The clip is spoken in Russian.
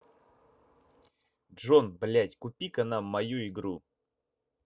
джон блядь купи ка нам мою игру